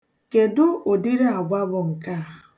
Kedụ ụdịrị agwa bụ nke a?